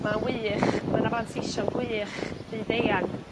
ma'n wych ma' 'na fanteision gwych byd-eang.